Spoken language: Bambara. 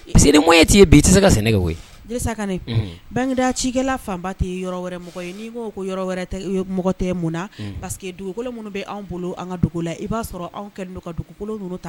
C'est a dire ni moyen t'i ye bi, i tɛ se ka sɛnɛ kɛ koyi. Dirisa Kanɛ, Bagineda cikɛla fan ba tɛ yɔrɔ wɛrɛ mɔgɔ ye , n'i ko yɔrɔ wɛrɛ mɔgɔ tɛ. Mun na parce que dugukolo minnu bɛ anw bolo , an ka dugu la, i b'a sɔrɔ anw kɛlen don ka dugukolo kolon ninnu ta.